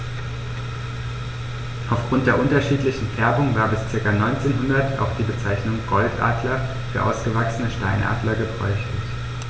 Auf Grund der unterschiedlichen Färbung war bis ca. 1900 auch die Bezeichnung Goldadler für ausgewachsene Steinadler gebräuchlich.